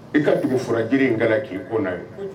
I ka dugu fura jiri in k'a la k'i ko na ye